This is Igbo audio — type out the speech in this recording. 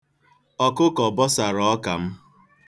Ọkụkọ bọsàrà ọka m.